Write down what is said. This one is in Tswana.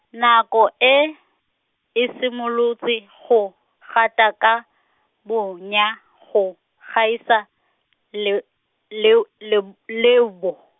nako e, e simolotse go, gata ka, bonya, go, gaisa, le-, leo, leb-, leobo.